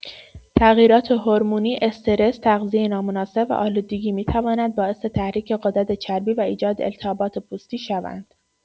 تغییرات هورمونی، استرس، تغذیه نامناسب و آلودگی می‌توانند باعث تحریک غدد چربی و ایجاد التهابات پوستی شوند.